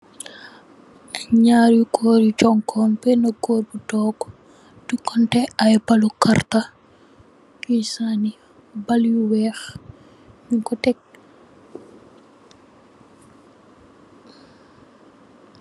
Ñaaru gòor yu jonkon. Benn gòor bu toog di kontè ay balo karrta yi sani. Ball yu weeh nung ko tekk.